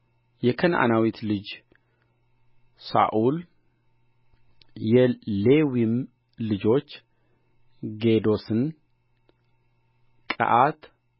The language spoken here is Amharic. እግዚአብሔርም በሌሊት ራእይ ያዕቆብ ያዕቆብ ብሎ ለእስራኤል ተናገረው እርሱም እነሆኝ አለ አለውም የአባቶችህ አምላክ እግዚአብሔር እኔ ነኝ